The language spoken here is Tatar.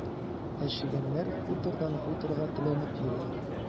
Ә чегәннәр хутордан хуторга теләнеп йөри.